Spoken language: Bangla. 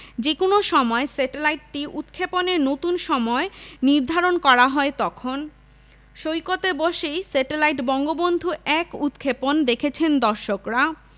যেকোনো সময় স্যাটেলাইটটি উৎক্ষেপণের নতুন সময় নির্ধারণ করা হয় তখন সৈকতে বসেই স্যাটেলাইট বঙ্গবন্ধু ১ উৎক্ষেপণ দেখেছেন দর্শকরা